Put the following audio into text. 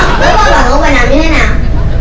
lúc bà ngủ bà nằm như thế nào